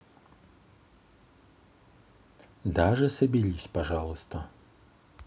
даже соберись пожалуйста